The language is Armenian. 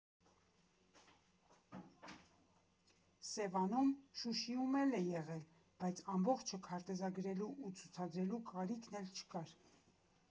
Սևանում, Շուշիում էլ է եղել, բայց ամբողջը քարտեզագրելու ու ցուցադրելու կարիքն էլ չկար։